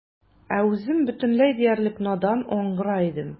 Ә үзем бөтенләй диярлек надан, аңгыра идем.